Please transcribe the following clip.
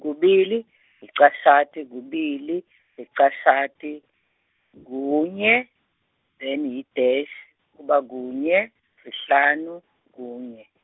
kubili licashati kubili licashati, kunye, then idash, kuba kunye sihlanu kunye.